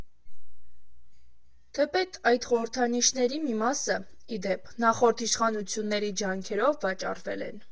Թեպետ այդ խորհրդանիշների մի մասը, ի դեպ, նախորդ իշխանությունների ջանքերով վաճառվել են։